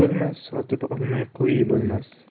bo'lmas sotib olmay qui bo'lmas